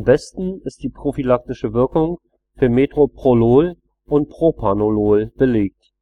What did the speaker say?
besten ist die prophylaktische Wirkung für Metoprolol und Propranolol belegt.